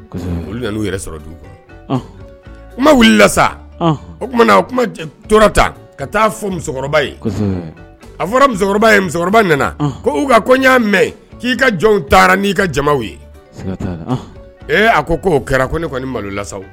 ' yɛrɛ kɔnɔ u ma wili la sa o tumaumana o kuma tora ta ka taa fɔ musokɔrɔba a fɔra musokɔrɔba ye musokɔrɔba nana ko u ka ko n y'a mɛn k'i ka jɔn taara n' ka jama ye ee a ko' o kɛra ko ne ni malo lasa